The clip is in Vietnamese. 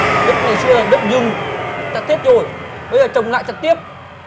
đất ngày xưa đất rừng chặt hết rồi bây giờ trồng lại chặt tiếp